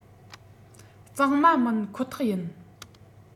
གཙང མ མིན ཁོ ཐག ཡིན